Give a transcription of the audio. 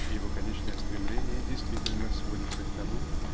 и его конечное стремление действительно сводится к тому .